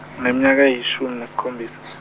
nanyaka ishumi isikhombisa.